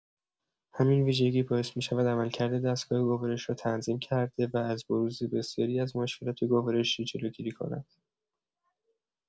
همین ویژگی باعث می‌شود عملکرد دستگاه گوارش را تنظیم کرده و از بروز بسیاری از مشکلات گوارشی جلوگیری کند.